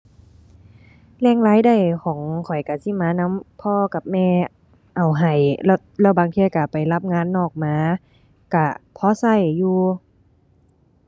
แหล่งรายได้ของข้อยก็สิมานำพ่อกับแม่เอาให้ แล้ว แล้วบางเที่ยก็ไปรับงานนอกมา ก็พอก็อยู่